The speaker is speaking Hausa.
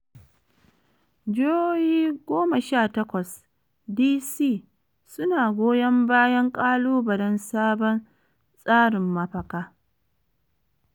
Jihohi goma sha takwas da Gundumar Columbia su na goyon bayan kalubalen shari’a akan sabon tsarin Amurka da ke hanin mafaka ga tashin hankalin yan daba da tashin hankalin cikin gida.